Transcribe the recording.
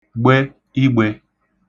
gbe igbē